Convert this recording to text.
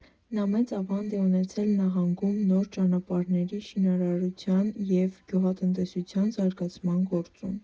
Նա մեծ ավանդ է ունեցել նահանգում նոր ճանապարհների շինարարության և գյուղատնտեսության զարգացման գործում։